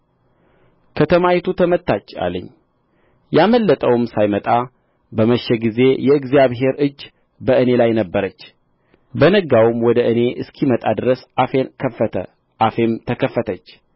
ከተማይቱ ተመታች አለኝ ያመለጠውም ሳይመጣ በመሸ ጊዜ የእግዚአብሔር እጅ በእኔ ላይ ነበረች በነጋውም ወደ እኔ እስኪመጣ ድረስ አፌን ከፈተ አፌም ተከፈተች